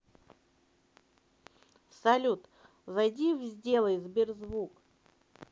салют зайди в сделай сберзвук